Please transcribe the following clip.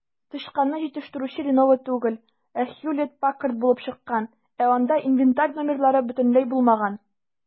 Тычканны җитештерүче "Леново" түгел, ә "Хьюлетт-Паккард" булып чыккан, ә анда инвентарь номерлары бөтенләй булмаган.